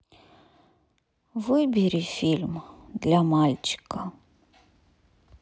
выбери фильм для мальчика